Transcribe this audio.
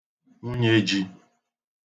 nwunyeji